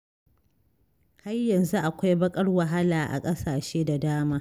'Har yanzu akwai baƙar wahala a ƙasashe da dama''.